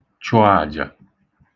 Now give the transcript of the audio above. chụ àjà